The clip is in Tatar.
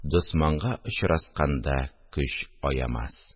Досманга очрасканда көч аямас